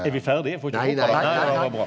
er vi ferdig, får ikkje håpa det .